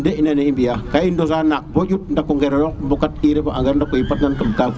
in de inda ne i mbi ya ga i ndosa naak bo njut dako gelo rox ndako mbokat ire fo engrais ndako yipa tinan kam kaaf fe in